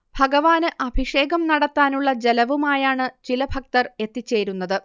ഭഗവാന് അഭിഷേകം നടത്താനുള്ള ജലവുമായാണ് ചില ഭക്തർ എത്തിച്ചേരുന്നത്